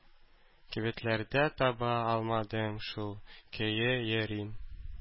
Кибетләрдә таба алмадым, шул көе йөрим.